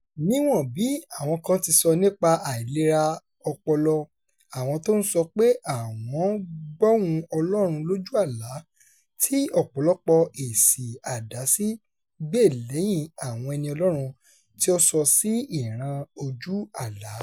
Níwọ̀n-ọn bí àwọn kan ti sọ nípa àìlera ọpọlọ àwọn t'ó ń sọ pé àwọn gbọ́hùn Ọlọ́run lójú àlá, tí ọ̀pọ̀lọpọ̀ èsì àdásí gbè lẹ́yìn àwọn ẹni Ọlọ́run tí ó sọ sí ìran ojú àlá.